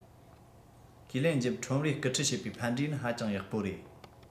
ཁས ལེན རྒྱབ ཁྲོམ རའི སྐུལ ཁྲིད བྱེད པའི ཕན འབྲས ནི ཧ ཅང ཡག པོ རེད